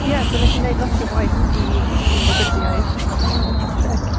Ie so wnes i wneud lot o waith i codi ymwybydiaeth am y prosiect.